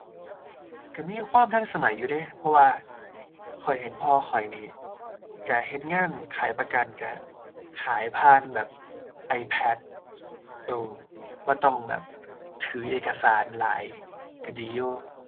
ก็มีความทันสมัยอยู่เดะ เพราะว่าข้อยเห็นพ่อข้อยนี่ก็เฮ็ดงานขายประกัน ก็ขายผ่านแบบ iPad เอ้อ บ่ต้องแบบถือเอกสารหลาย ก็ดีอยู่